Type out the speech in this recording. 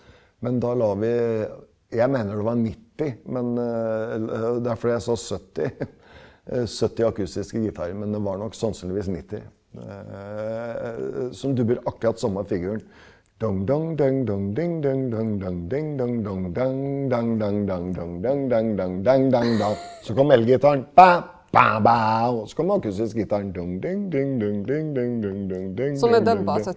men da la vi jeg mener det var nitti, men derfor jeg sa 70 70 akustiske gitarer, men det var nok sannsynligvis 90 som det blir akkurat samme figuren , så kom elgitaren og så kom akustiske gitaren.